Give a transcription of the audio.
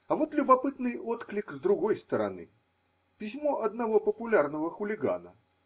А вот любопытный отклик с другой стороны: письмо одного популярного хулигана.